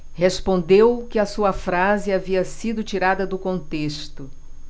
respondeu que a sua frase havia sido tirada do contexto